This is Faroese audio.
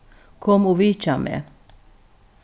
kom og vitja meg